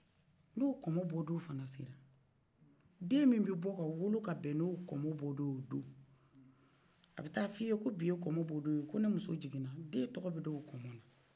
ni kɔmɔ bɔ don fɔnɔ se la den min bɛ bɔ wolo ka bɛn ni kɔmɔ don y'o don a bɛ taa f''i ye ko bi ye kɔmɔ bɔ don ye ko nin muso jiginna den tɔgɔ bɛ d' o kɔmɔ na